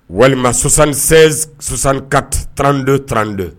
Walima sɔsansensan ka trandon trante